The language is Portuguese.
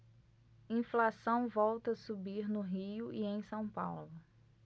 inflação volta a subir no rio e em são paulo